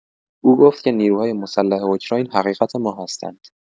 او گفت که نیروهای مسلح اوکراین حقیقت ما هستند.